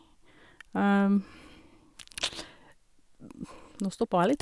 Nå stoppa jeg litt.